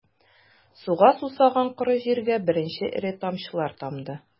Суга сусаган коры җиргә беренче эре тамчылар тамды...